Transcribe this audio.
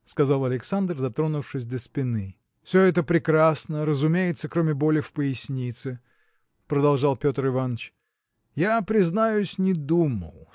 – сказал Александр, дотронувшись до спины. – Все это прекрасно разумеется кроме боли в пояснице – продолжал Петр Иваныч – я признаюсь не думал